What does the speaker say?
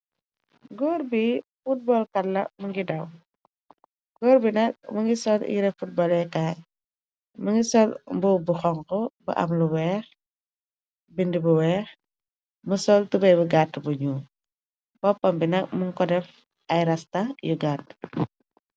Gorr bi football kat la mungi daw, goor bi nak mu ngi sol yere footbol eekaay. Mu ngi sol mboob bu xonk, bu am lu weex bind bu weex mu sol tubey bu gatt bu nyol boppam bi nak mun ko def ay rasta yu gaat.